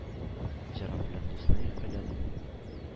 Җырым белән дусны иркәләдем,